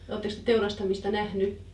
olettekos te teurastamista nähnyt